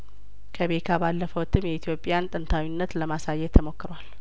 ከቤካ ባለፈው እትም የኢትዮጵያን ጥንታዊነት ለማሳየት ተሞክሯል